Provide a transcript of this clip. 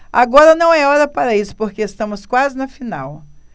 agora não é hora para isso porque estamos quase na final